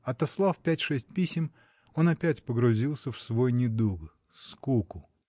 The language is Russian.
Отослав пять-шесть писем, он опять погрузился в свой недуг — скуку.